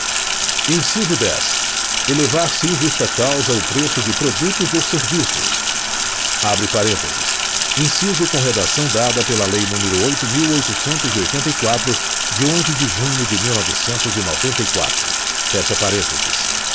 inciso dez elevar sem justa causa o preço de produtos ou serviços abre parênteses inciso com redação dada pela lei número oito mil oitocentos e oitenta e quatro de onze de junho de mil novecentos e noventa e quatro fecha parênteses